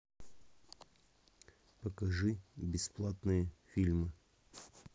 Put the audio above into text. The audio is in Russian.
покажи бесплатные фильмы